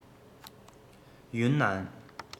ཡུན ནན